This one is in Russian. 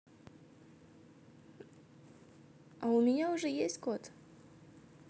а у меня есть уже кот